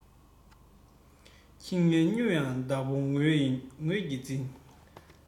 ཁྱི ངན སྨྱོ ཡང བདག པོ ངོས ཀྱིས འཛིན